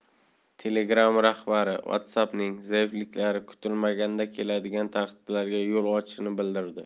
telegram rahbari whatsapp'ning zaifliklari kutilmaganda keladigan tahdidlarga yo'l ochishini bildirdi